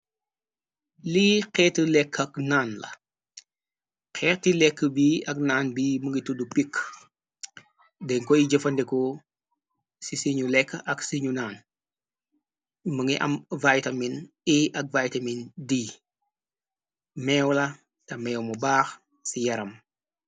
Lii xeeti lekk ak naan la xeeti lekk bi ak naan bi mungi tuddu pik denkoy jëfandeko ci si ñu lekka ak si ñu naan mu ngi am vitamin a ak vitamin d meewla te mew mu baax ci yaram.